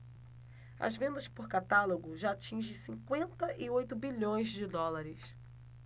as vendas por catálogo já atingem cinquenta e oito bilhões de dólares